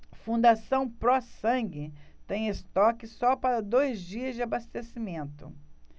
fundação pró sangue tem estoque só para dois dias de abastecimento